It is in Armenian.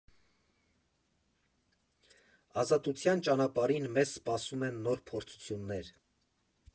Ազատության ճանապարհին մեզ սպասում են նոր փորձություններ։